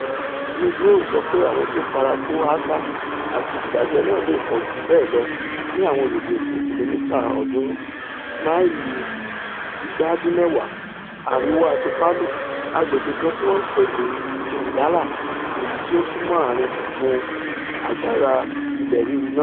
Nugroho sọ pé àwọn tó farakó áásá àti ìdibàjẹ́ náà leè pọ̀jù bẹ́ẹ̀ lọ ní àwọn bèbè òkun kílòmìtà 300 (máìlì 190) àríwá ti Palu, agbègbè̀ kan tíwọn ńpè ní Donggala, èyití ó súnmọ́ ààrin gungun agbára ilẹ̀ rírì náà.